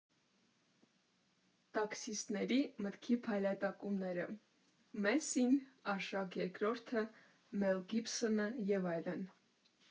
Տաքսիստների մտքի փայլատակումները, Մեսսին, Արշակ Երկրորդը, Մել Գիբսոնը և այլն։